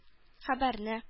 Хәбәрне